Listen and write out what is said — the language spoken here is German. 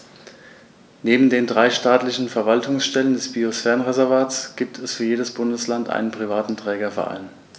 Neben den drei staatlichen Verwaltungsstellen des Biosphärenreservates gibt es für jedes Bundesland einen privaten Trägerverein.